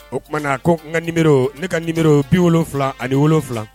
O kumana ko n ka numéro ne ka numéro 77